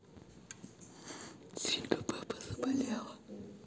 свинка пеппа заболела